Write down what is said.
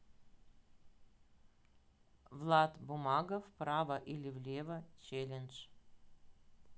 влад бумага вправо или влево челлендж